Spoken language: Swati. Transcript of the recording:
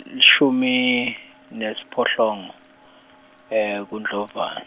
lishumi, nesiphohlongo, kuNdlovan-.